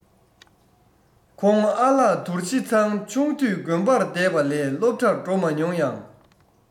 ཁོང ཨ ལགས དོར ཞི ཚང ཆུང དུས དགོན པར བསྡད པ ལས སློབ གྲྭར འགྲོ མ མྱོང ཡང